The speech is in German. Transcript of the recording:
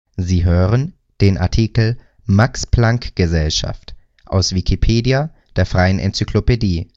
Sie hören den Artikel Max-Planck-Gesellschaft, aus Wikipedia, der freien Enzyklopädie